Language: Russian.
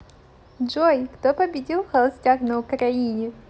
джой кто победил в холостяк на украине